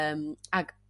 yym ag